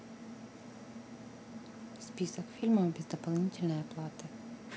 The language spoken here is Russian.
список фильмов без дополнительной оплаты